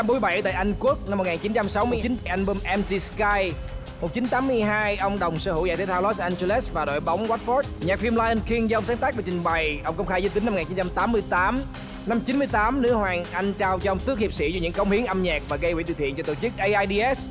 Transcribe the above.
mươi bảy tại anh quốc năm một nghìn chín trăm sáu một chín an bum em ti cai một chín tám mươi hai ông đồng sở hữu giải thể thao lốt an dơ lét và đội bóng oắt phót nhạc phim lai ân kinh do ông sáng tác và trình bày ông công khai giới tính năm ngàn chín trăm tám mươi tám năm chín mươi tám nữ hoàng anh trao cho ông tước hiệp sĩ vì những cống hiến âm nhạc và gây quỹ từ thiện cho tổ chức ây ai đi ét